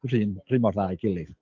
R'un r'un mor dda â'i gilydd.